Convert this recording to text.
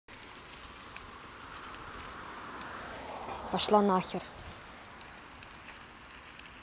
пошла нахер